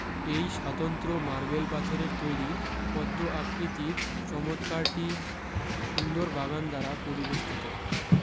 এই সাতন্ত্র মার্বেল পাথরের তৈরী পদ্ম আকৃতির চমতকারটি সুন্দর বাগান দ্বারা পরিবেষ্টিত